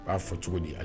K'a fɔ cogo di